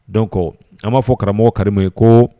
Donc an b'a fɔ karamɔgɔ Karimu ye koo